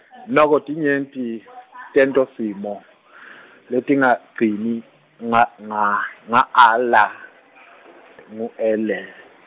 noko tinyenti tentosimo letingagcini nga a-, nga ala ngu ele.